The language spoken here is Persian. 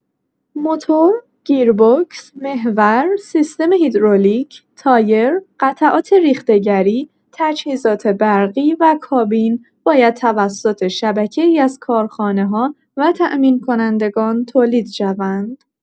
موتور، گیربکس، محور، سیستم هیدرولیک، تایر، قطعات ریخته‌گری، تجهیزات برقی و کابین باید توسط شبکه‌ای از کارخانه‌ها و تأمین‌کنندگان تولید شوند.